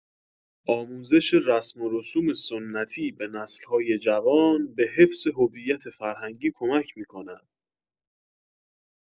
آموزش رسم و رسوم سنتی به نسل‌های جوان به حفظ هویت فرهنگی کمک می‌کند.